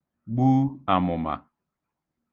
gbū àmụ̀mà